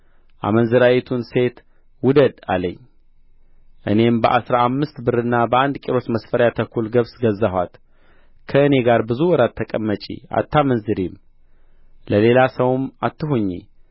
አመንዝራይትን ሴት ውደድ አለኝ እኔም በአሥራ አምስት ብርና በአንድ ቆሮስ መስፈሪያ ተኩል ገብስ ገዛኋት ከእኔ ጋር ብዙ ወራት ተቀመጪ አታመንዝሪም ለሌላ ሰውም አትሁኚ